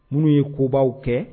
Minnu ye kobaw kɛ